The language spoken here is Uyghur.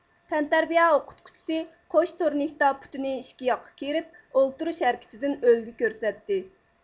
تەنتەربىيە ئوقۇتقۇچىسى قوش تورنىكتا پۇتىنى ئىككى ياققا كېرىپ ئولتۇرۇش ھەرىكىتىدىن ئۈلگە كۆرسەتتى